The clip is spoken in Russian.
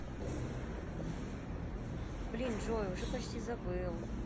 блин джой уже почти забыл